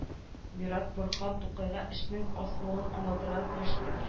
Мират борһан тукайга эшнең асылын аңлатырга кереште